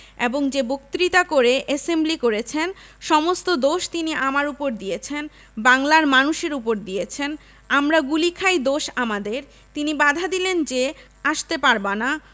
এবং যে বক্তৃতা করে এসেম্বলি করেছেন সমস্ত দোষ তিনি আমার উপর দিয়েছেন বাংলার মানুষের উপর দিয়েছেন আমরা গুলি খায় দোষ আমাদের তিনি বাধা দিলেন যে আস্তে পারবা না